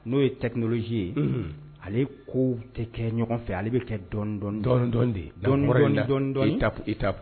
N'o ye technologie ye. Ae kow tɛ kɛ ɲɔgɔn fɛ ale bɛ kɛ dɔɔni dɔɔni de ye. Dɔɔni dɔɔni étape étape